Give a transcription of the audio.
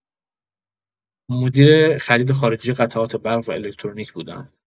مدیر خرید خارجی قطعات برق و الکترونیک بودم.